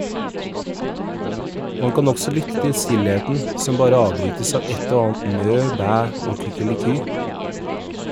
Man kan også lytte til stillheten , som bare avbrytes av ett og annet mø, bæ og kykeliky.